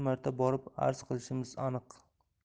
marta borib arz qilishim aniq